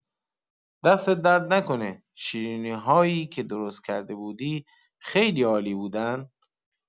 دستت درد نکنه، شیرینی‌هایی که درست کرده بودی خیلی عالی بودن!